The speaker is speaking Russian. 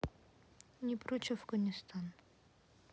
не прочь афганистан